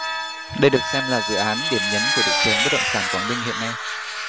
đây được xem là dự án điểm nhấn của thị trường bất động sản quảng ninh hiện nay